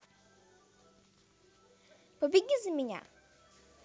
побеги за меня